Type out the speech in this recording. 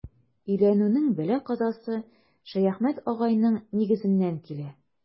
Өйләнүнең бәла-казасы Шәяхмәт агайның нигезеннән килә.